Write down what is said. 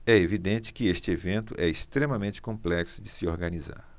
é evidente que este evento é extremamente complexo de se organizar